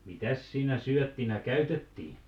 mitäs siinä syöttinä käytettiin